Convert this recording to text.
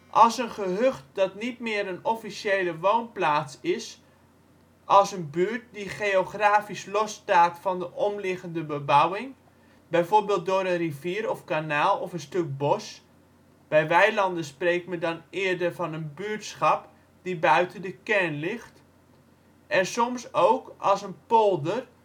als een gehucht dat niet meer een officiële woonplaats is, als een buurt die geografisch losstaat van de omliggende bebouwing, bijvoorbeeld door een rivier of kanaal of een stuk bos (bij weilanden spreekt men dan eerder van een buurtschap die buiten de kern ligt) en soms ook als een polder